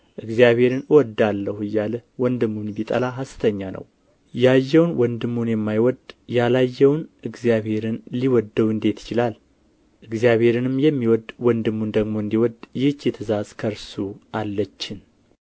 እግዚአብሔርን እወዳለሁ እያለ ወንድሙን ቢጠላ ሐሰተኛ ነው ያየውን ወንድሙን የማይወድ ያላየውን እግዚአብሔርን ሊወደው እንዴት ይችላል እግዚአብሔርንም የሚወድ ወንድሙን ደግሞ እንዲወድ ይህች ትእዛዝ ከእርሱ አለችን